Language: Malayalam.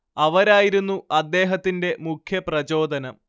അവരായിരുന്നു അദ്ദേഹത്തിന്റെ മുഖ്യപ്രചോദനം